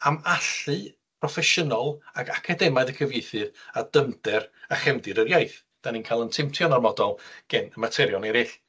am allu proffesiynol ag academaidd y cyfieithydd a dyfnder a chefndir yr iaith, 'dan ni'n ca'l 'yn temtio'n ormodol gen materion eryll.